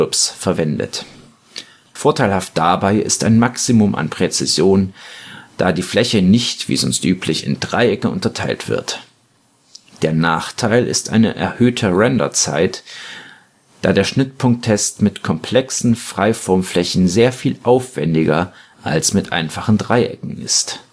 NURBS verwendet. Vorteilhaft dabei ist ein Maximum an Präzision, da die Fläche nicht wie sonst üblich in Dreiecke unterteilt wird. Der Nachteil ist eine erhöhte Renderzeit, da der Schnittpunkttest mit komplexen Freiformflächen sehr viel aufwändiger als mit einfachen Dreiecken ist